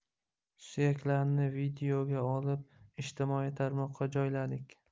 suyaklarni videoga olib ijtimoiy tarmoqqa joyladik